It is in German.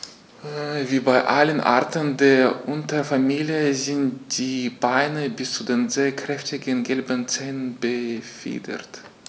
Wie bei allen Arten der Unterfamilie sind die Beine bis zu den sehr kräftigen gelben Zehen befiedert.